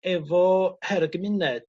efo her y gymuned